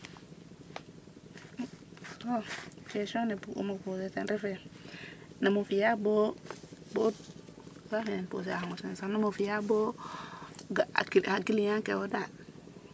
question ne bug uma ten refe nama fiya bo bo ka fi nen poser axongo ten sax namo fiya bo ga xa client ke wo dal